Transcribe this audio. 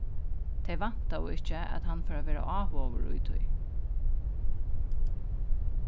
tey væntaðu ikki at hann fór at vera áhugaður í tí